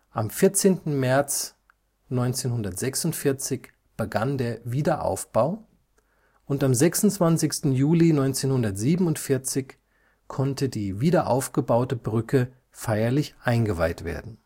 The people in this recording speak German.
Am 14. März 1946 begann der Wiederaufbau, und am 26. Juli 1947 konnte die wiederaufgebaute Brücke feierlich eingeweiht werden